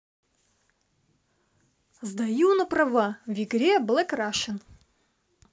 сдаю на права в игре black russian